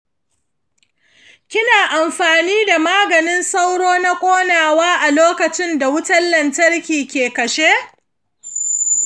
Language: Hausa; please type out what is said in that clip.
kina amfani da maganin sauro na ƙonawa a lokacin da wutan lantarki ke kashe?